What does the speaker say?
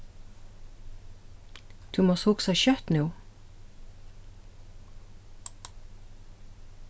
tú mást hugsa skjótt nú